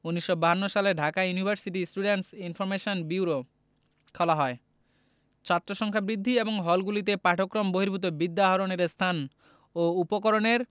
১৯৫২ সালে Dhaka university students information bureau খোলা হয় ছাত্রসংখ্যা বৃদ্ধি এবং হলগুলিতে পাঠক্রম বহির্ভূত বিদ্যা আহরণের স্থান ও উপকরণের